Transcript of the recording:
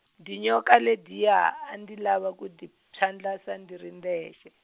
dyinyoka ledyiya a ndzi lava ku dyi phyandlasa ndzi ri ndzexe.